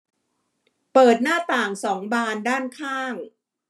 เปิดหน้าต่างสองบานด้านข้าง